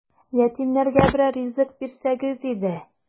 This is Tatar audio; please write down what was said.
Ятимнәргә берәр ризык бирсәгез иде! ..